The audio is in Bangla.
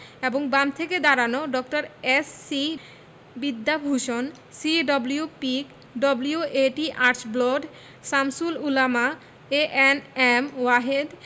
এবং বাম থেকে দাঁড়ানো ড. S C. Vidyabhushan C W. Peake W A T. Archbold Shamsul Ulama A N M Wahed